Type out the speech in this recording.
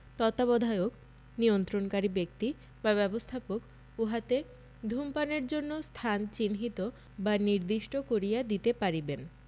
তত্ত্বাবধায়ক নিয়ন্ত্রণকারী ব্যক্তি বা ব্যবস্থাপক উহাতে ধূমপানের জন্য স্থান চিহ্নিত বা নির্দিষ্ট করিয়া দিতে পারিবেন